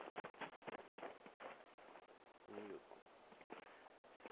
ньютон